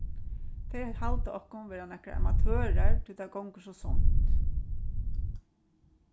tey halda okkum vera nakrar amatørar tí tað gongur so seint